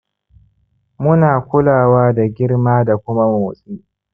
mu na kulawa da girma da kuma motsi